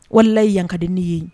Walila ye yan kaden ne ye